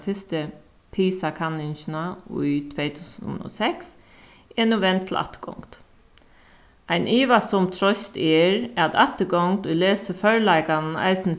fyrsti pisa-kanningina í tvey túsund og seks er nú vend til afturgongd ein ivasom troyst er at afturgongd í lesiførleikanum eisini